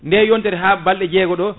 nde yontere ha balɗe jeegoɗo